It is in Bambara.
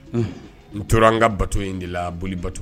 N tora an ka bato in de la boli bato